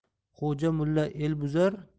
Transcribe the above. xo'ja mulla el buzar